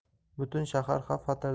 butun shahar xavf xatardan